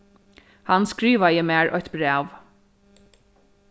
hann skrivaði mær eitt bræv